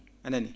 a nanii